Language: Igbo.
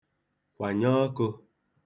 kwànye ọkụ̄